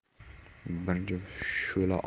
bir juft shu'la